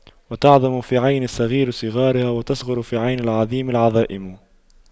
وتعظم في عين الصغير صغارها وتصغر في عين العظيم العظائم